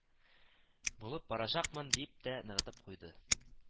Булып барачакмын , дип тә ныгытып куйды